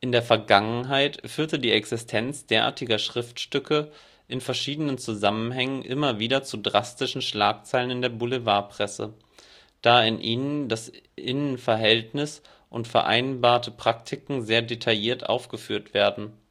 der Vergangenheit führte die Existenz derartiger Schriftstücke in verschiedenen Zusammenhängen immer wieder zu drastischen Schlagzeilen in der Boulevardpresse, da in ihnen das Innenverhältnis und vereinbarte Praktiken sehr detailliert aufgeführt werden